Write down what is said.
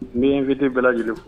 N bɛ n fitiri bɛɛj